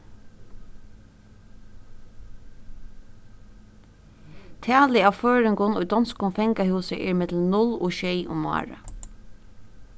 talið av føroyingum í donskum fangahúsi er millum null og sjey um árið